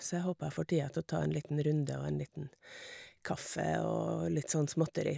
Så jeg håper jeg får tida til å ta en liten runde og en liten kaffe og litt sånn småtteri.